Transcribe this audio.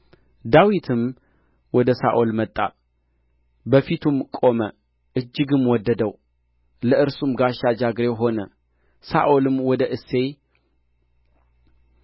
ዳዊትም ወደ ሳኦል መጣ በፊቱም ቆመ እጅግም ወደደው ለእርሱም ጋሻ ጃግሬው ሆነ ሳኦልም ወደ እሴይ